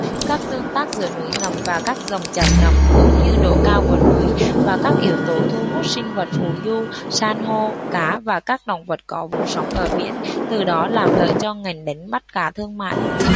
các tương tác giữa núi ngầm và các dòng chảy ngầm cũng như độ cao của núi là các yếu tố thu hút sinh vật phù du san hô cá và các động vật có vú sống ở biển từ đó làm lợi cho ngành đánh bắt cá thương mại